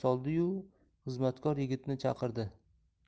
soldi yu xizmatkor yigitni chaqirdi